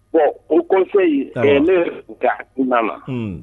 Bon o kɔsɔn yen a ka na